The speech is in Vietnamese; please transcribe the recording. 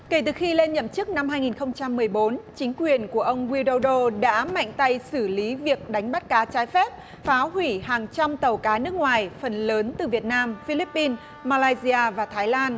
kể từ khi lên nhậm chức năm hai nghìn không trăm mười bốn chính quyền của ông guy đô đô đã mạnh tay xử lý việc đánh bắt cá trái phép phá hủy hàng trăm tàu cá nước ngoài phần lớn từ việt nam phi líp pin ma lai di a và thái lan